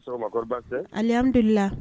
Amdula